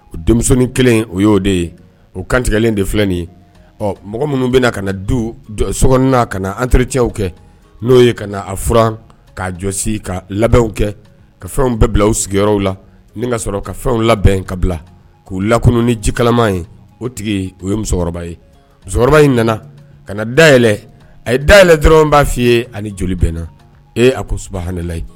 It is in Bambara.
O denmisɛnnin kelen o ye'o de ye o kantigɛlen de filɛ nin ye ɔ mɔgɔ minnu bɛna na ka na du soɔn ka na an terirecɛw kɛ n'o ye ka a furan k ka'a jɔsi ka labɛnw kɛ ka fɛnw bɛɛ bila sigiyɔrɔw la ni ka sɔrɔ ka fɛnw labɛn ka bila k'u lak ni ji kalaman ye o tigi o ye musokɔrɔba ye musokɔrɔba in nana ka dayɛlɛ a ye day yɛlɛ dɔrɔn b' f fɔ ii ye ani joli bɛnna ee a ko suba ha nelayi